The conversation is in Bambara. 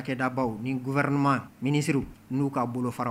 Da baw ni guɛrma minisiri n'u ka bolo fara